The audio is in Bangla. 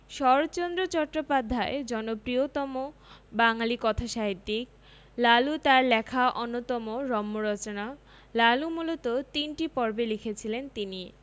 শরৎচন্দ্র চট্টোপাধ্যায় জনপ্রিয়তম বাঙালি কথাসাহিত্যিক লালু তার লেখা অন্যতম রম্য রচনা লালু মূলত তিনটি পর্বে লিখেছিলেন তিনি